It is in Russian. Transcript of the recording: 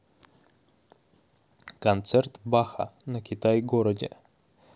концерт баха на китай городе